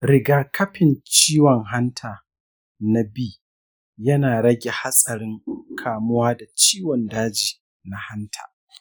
rigakafin ciwon hanta na b yana rage hatsarin kamuwa da ciwon daji na hanta.